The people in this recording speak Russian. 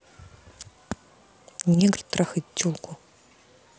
негр трахает телку